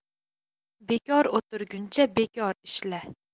bekor o'tirguncha bekor ishla